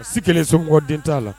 Si kelen so mɔgɔ den t'a la